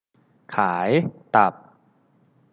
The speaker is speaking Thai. ขายตับ